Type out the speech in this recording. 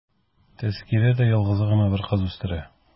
Тәзкирә дә ялгызы гына бер кыз үстерә.